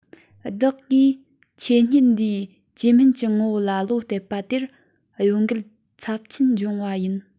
བདག གིས ཆོས ཉིད འདིའི བཅོས མིན གྱི ངོ བོ ལ བློ གཏད པ དེར གཡོ འགུལ ཚབས ཆེན འབྱུང བ ཡིན